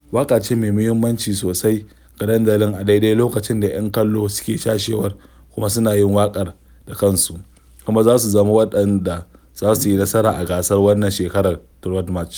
Waƙa ce mai muhimmanci sosai ga dandalin a daidai lokacin da 'yan kallon suke cashewar kuma suna "yin waƙar da kansu", kuma za su zama waɗanda za su yi nasara a gasar wannan shekarar ta Road March.